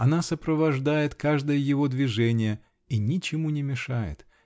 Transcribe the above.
Она сопровождает каждое его движение и ничему не мешает.